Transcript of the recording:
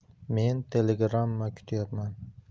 men telegramma kutayapman